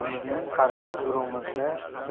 o'zimizning qarindosh urug'imizda